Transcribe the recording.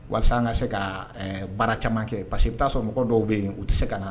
Walasa an ka se ka baara caman kɛ parce que i bɛ t'a sɔrɔ mɔgɔ dɔw bɛ yen, u tɛ se ka na.